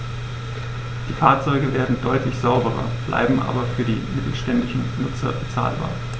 Die Fahrzeuge werden deutlich sauberer, bleiben aber für die mittelständischen Nutzer bezahlbar.